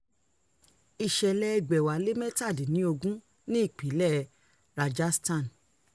Ìṣẹ̀lẹ̀ 2017 ní ipínlẹ̀ Rajasthan.